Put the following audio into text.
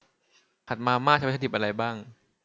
ผัดมาม่าใช้วัตถุดิบอะไรบ้าง